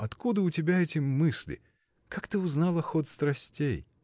Откуда у тебя эти мысли, как ты узнала ход страстей?